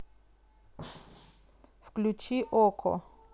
включи око